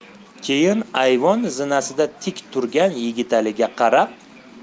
keyin ayvon zinasida tik turgan yigitaliga qarab